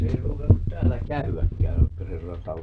se ei ruukannut täällä käydäkään